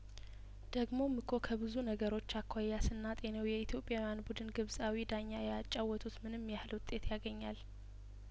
ደግሞም እኮ ከብዙ ነገሮች አኳያስና ጤነው የኢትዮጵያዊያን ቡድን ግብጻዊ ዳኛ እያጫወቱ ትምንም ያህል ውጤት ያገኛል